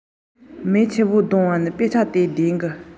ཉི འོད ནང དུ བཀྲ བཟང གིས